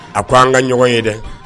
A ko an ka ɲɔgɔn ye dɛ